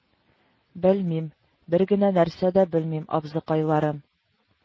Белмим, бер генә нәрсә дә белмим, абзыкайларым